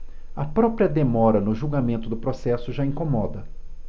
a própria demora no julgamento do processo já incomoda